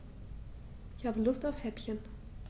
Ich habe Lust auf Häppchen.